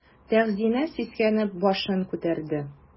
Тәгъзимә сискәнеп башын күтәрде.